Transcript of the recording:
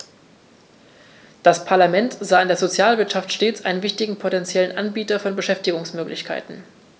Das Parlament sah in der Sozialwirtschaft stets einen wichtigen potentiellen Anbieter von Beschäftigungsmöglichkeiten.